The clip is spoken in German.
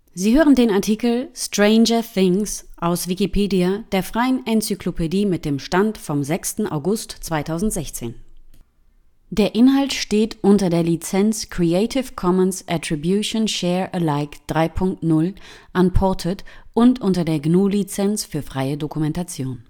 Sie hören den Artikel Stranger Things, aus Wikipedia, der freien Enzyklopädie. Mit dem Stand vom Der Inhalt steht unter der Lizenz Creative Commons Attribution Share Alike 3 Punkt 0 Unported und unter der GNU Lizenz für freie Dokumentation